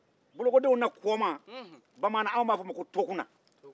a bɛ fɔ bolokodenw na kɔmaa ma bamaannan ko tokunna